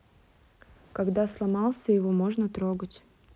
когда сломался его можно трогать